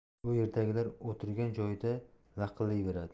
u yerdagilar o'tirgan joyida laqillayveradi